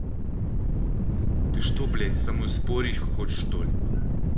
ты что блядь со мной спорить хочешь что ли